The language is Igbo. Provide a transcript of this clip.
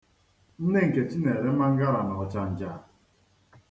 Nne Nkechi na-ere managala n'Ọchanja.